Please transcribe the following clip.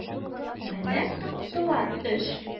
Менә таптылар эш!